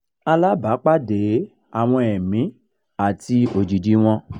Àlábàápàdé àwọn ẹ̀mí àti òjìjíi wọn